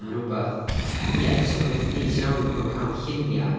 A mae 'na wbath ia, eto ma' 'na wbath neis iawn mewn cael lluniau.